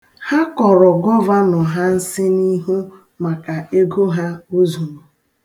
Ha kọrọ gọvanọ ha nsị n'ihu maka ego ha o zuru.